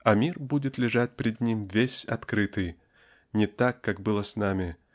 -- а мир будет лежать пред ним весь открытый не так как было с нами